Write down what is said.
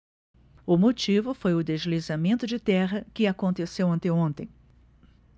o motivo foi o deslizamento de terra que aconteceu anteontem